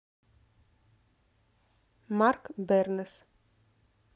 марк бернес